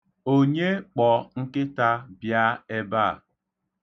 Onye kpọ nkịta bịa ebe a?